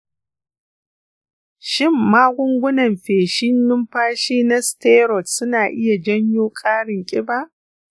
shin magungunan feshin numfashi na steroid suna iya janyo ƙarin ƙiba?